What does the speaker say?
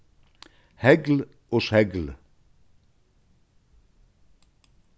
hegl og segl